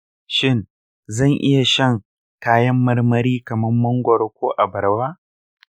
shin zan iya shan kayan-marmari kamar mangoro ko abarba?